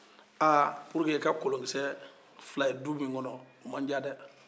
aa pour que ka kolonkisɛ fila ye du min kɔnɔ a ma ca dɛɛ